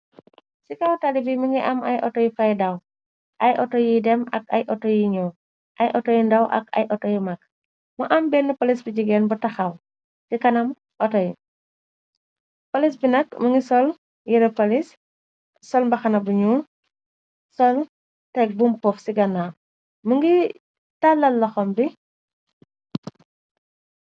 Ci kawtaali bi mi ngi am ay auto yi fydaw ay auto yiy dem ak ay auto yi ñuo ay auto yi ndaw ak ay auto yi magg mu am benn polis bi jigeen bu taxaw ci kanam outo yi polis bi nakg mi ngi sol yere polis sol mbaxana buñu nyol teg bum pof ci ganna mu ngi tàlal loxom bi.